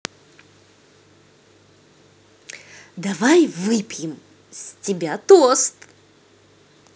давай выпьем с тебя тост